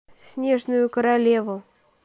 снежную королеву